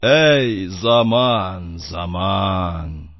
— әй, заман, заман!